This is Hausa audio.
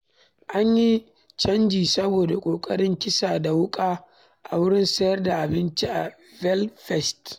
An yi caji saboda ƙoƙarin kisa da wuƙa a wurin sayar da abinci a Belfast